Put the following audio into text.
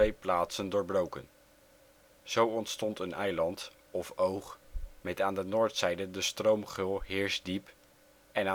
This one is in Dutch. plaatsen doorbroken. Zo ontstond een eiland of oog, met aan de noordzijde de stroomgeul Heersdiep, en